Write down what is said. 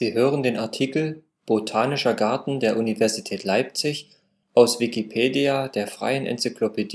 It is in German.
hören den Artikel Botanischer Garten der Universität Leipzig, aus Wikipedia, der freien Enzyklopädie